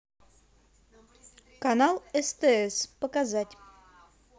канал стс показать